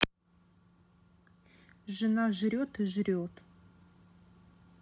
жена жрет и жрет